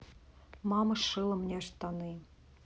мама сшила мне штаны